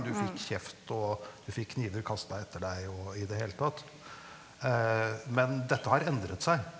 du fikk kjeft og du fikk kniver kasta etter deg og i det hele tatt men dette har endret seg.